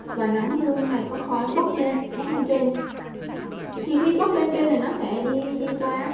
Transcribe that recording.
và nấm hương ngày có khói bốc lên bốc lên trên khi bốc lên chơi thì nó sẽ đi đi qua